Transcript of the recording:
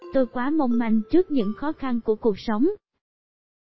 tôi quá mong manh trước những khó khăn của cuộc sống